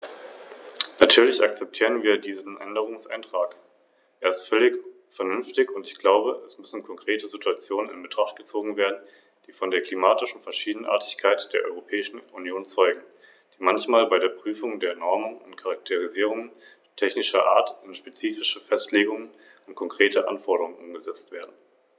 Damit wird man den Rufen nach mehr Transparenz bei der Verwendung der Gelder gerecht, und der Versuchung, das lokale Steueraufkommen in Gebieten, in denen entsprechende Projekte durchgeführt werden, unnötig über längere Zeit zu belasten, wird erfolgreich entgegengewirkt. Zudem macht das Parlament damit deutlich, wie ernst es den Ruf nach derartigen Reformen nimmt.